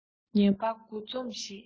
ངན པ དགུ འཛོམས ཞེས